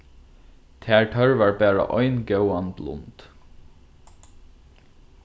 tær tørvar bara ein góðan blund